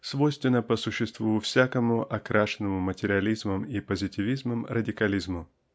свойственно по существу всякому окрашенному материализмом и позитивизмом радикализму.